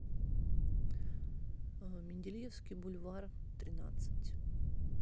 менделеевский бульвар тринадцать